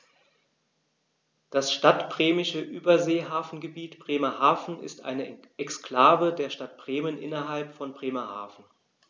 Das Stadtbremische Überseehafengebiet Bremerhaven ist eine Exklave der Stadt Bremen innerhalb von Bremerhaven.